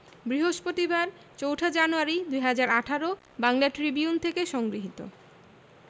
বৃহস্পতিবার ০৪ January ২০১৮ Bangla Tribune হতে সংগৃহীত